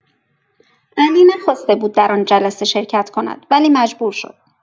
علی نخواسته بود در آن جلسه شرکت کند ولی مجبور شد.